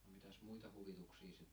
no mitäs muita huvituksia sitten